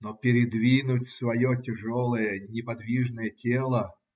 но - передвинуть свое тяжелое, неподвижное тело?